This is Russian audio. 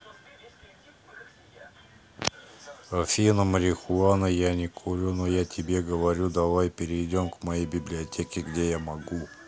афина марихуана я не курю но я тебе говорю давай перейдем к моей библиотеке где я могу